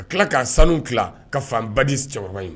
Ka tila k'a sanu tila ka fanba di s cɛkɔrɔba in ma.